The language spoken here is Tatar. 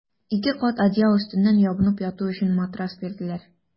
Ике кат одеял өстеннән ябынып яту өчен матрас бирделәр.